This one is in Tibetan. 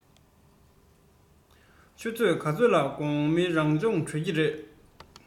ཆུ ཚོད ག ཚོད ལ དགོང མོའི རང སྦྱོང གྲོལ ཀྱི རེད